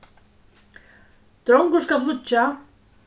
drongurin skal flýggja